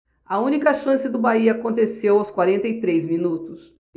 a única chance do bahia aconteceu aos quarenta e três minutos